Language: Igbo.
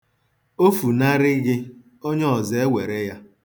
O funarị gị, onye ọzọ ewere ya.